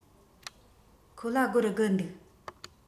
ཁོ ལ སྒོར དགུ འདུག